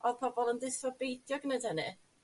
Odd pobol yn deu' 'tho beidi a gneud hynny.